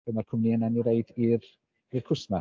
be mae'r cwmni yna'n ei roid i'r i'r cwsmer.